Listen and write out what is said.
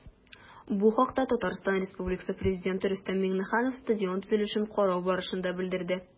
Бу хакта ТР Пррезиденты Рөстәм Миңнеханов стадион төзелешен карау барышында белдерде.